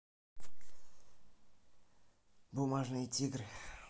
бумажные тигры